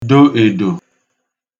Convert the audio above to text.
do edo